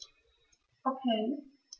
Okay.